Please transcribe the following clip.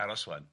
Aros ŵan.